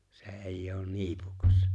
se ei ole niipukas